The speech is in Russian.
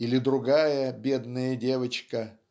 или другая бедная девочка